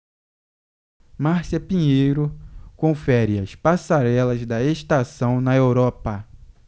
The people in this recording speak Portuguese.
márcia pinheiro confere as passarelas da estação na europa